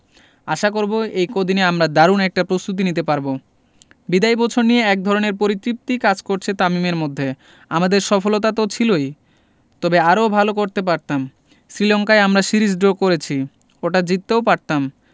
আশা করব এই কদিনে আমরা দারুণ একটা প্রস্তুতি নিতে পারব বিদায়ী বছর নিয়ে একধরনের পরিতৃপ্তি কাজ করছে তামিমের মধ্যে আমাদের সফলতা তো ছিলই তবে আরও ভালো করতে পারতাম শ্রীলঙ্কায় আমরা সিরিজ ড্র করেছি ওটা জিততেও পারতাম